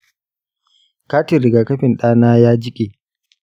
katin rigakafin ɗana ya jiƙe.